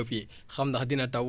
loolu da leen di dimbale ba nga